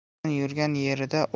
yomon yurgan yerida